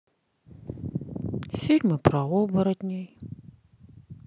фильмы про оборотней